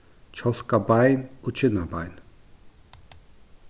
kjálkabein og kinnabein